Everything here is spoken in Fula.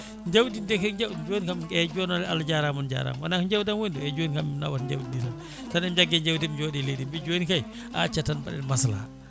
jawdi deke jawdi joni kaam eyyi joni noon Allah jarama on jarama wona ko jawdam woni ɗo eyyi joni kaam mi nawat jawdi ndi tan tan ɓe jaggue jawdi he ɓe jooɗe leydi he ɓe mbi joni kayi a accat tan mbaɗen maslaha